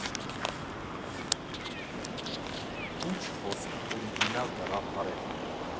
Ինչ խոսք, օրիգինալ գաղափար էր։